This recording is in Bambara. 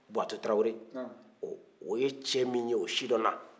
buwatu taarawele o ye cɛ min ye o sidɔnna